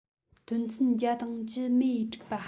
དོན ཚན བརྒྱ དང བཅུ མེད དྲུག པ